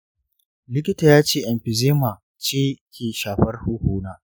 likita ya ce emphysema ce ke shafar huhuna.